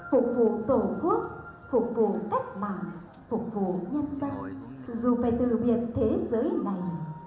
phục vụ tổ quốc phục vụ cách mạng phục vụ nhân dân dù phải từ biệt thế giới này